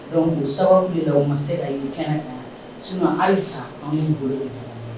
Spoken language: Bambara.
Donc o sababu de la o ma se ka ye kɛnɛ kan, sinon halisa an bɛ se k'olu makɔnɔ.